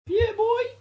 Ie boi!